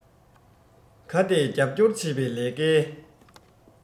ཁ གཏད རྒྱབ སྐྱོར བྱེད པའི ལས ཀའི